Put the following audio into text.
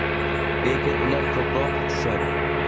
lekin ular ko'proq uchishadi